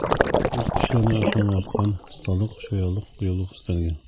Үз көчләренә ышану арткан, осталык, чаялык, кыюлык өстәлгән.